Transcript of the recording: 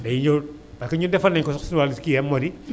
day yo parce que ñun defoon nañu ko si suñu wàllu QM moo di